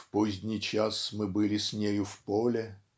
В поздний час мы были с нею в поле.